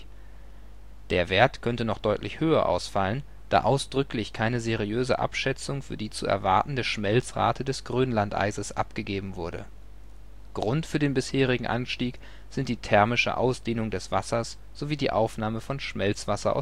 könnte noch deutlich höher ausfallen, da ausdrücklich keine seriöse Abschätzung für die zu erwartende Schmelzrate des Grönlandeises abgegeben wurde. Grund für den bisherigen Anstieg sind die thermische Ausdehnung des Wassers sowie die Aufnahme von Schmelzwasser